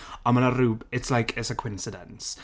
Ond mae 'na rhywb- it's like it's a coincidence.